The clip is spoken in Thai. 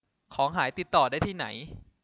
ของหายติดต่อได้ที่ไหน